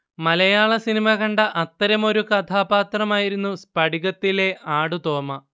മലയാളസിനിമ കണ്ട അത്തരമൊരു കഥാപാത്രമായിരുന്നു 'സ്ഫടിക'ത്തിലെ ആടുതോമ